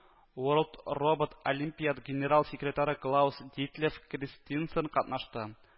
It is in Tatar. Ворлд робот олимпиад генераль секретаре Клаус Дитлев Кристинсен катнашты